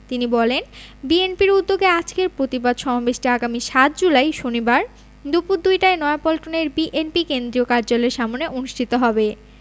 তিনি বলেন বিএনপির উদ্যোগে আজকের প্রতিবাদ সমাবেশটি আগামী ৭ জুলাই শনিবার দুপুর দুইটায় নয়াপল্টনের বিএনপি কেন্দ্রীয় কার্যালয়ের সামনে অনুষ্ঠিত হবে